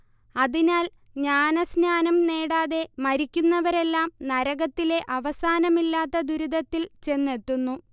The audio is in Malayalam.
അതിനാൽ ജ്ഞാനസ്നാനം നേടാതെ മരിക്കുന്നവരെല്ലാം നരകത്തിലെ അവസാനമില്ലാത്ത ദുരിതത്തിൽ ചെന്നെത്തുന്നു